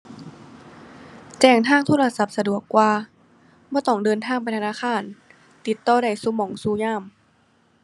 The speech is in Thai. แจ้งทางโทรศัพท์สะดวกกว่า บ่ต้องเดินทางไปธนาคาร ติดต่อได้ซุหม้องซุยาม